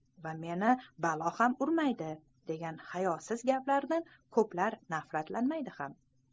va meni balo ham urmaydi degan hayosiz gaplaridan ko'plar nafratlanmaydi ham